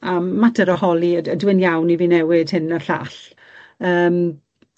A mater o holi yd- ydyw e'n iawn i fi newid hyn a'r llall. Yym.